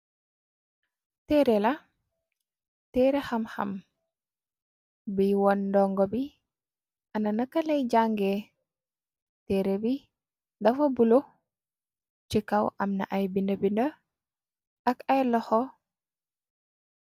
Teere la teere xam xam biy woon ndongo bi ana nakaley jàngee teere bi dafa bulo ci kaw amna ay binda binda ak ay loxo.